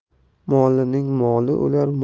mollining moli o'lar